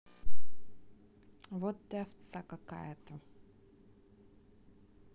вот ты овца какая то